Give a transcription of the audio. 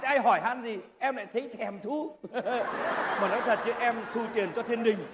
ai hỏi han gì em lại thấy thèm thu mà nói thật chứ em thu tiền cho thiên đình